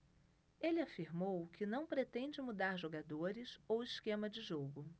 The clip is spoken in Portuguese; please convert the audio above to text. ele afirmou que não pretende mudar jogadores ou esquema de jogo